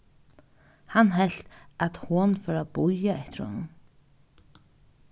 hann helt at hon fór at bíða eftir honum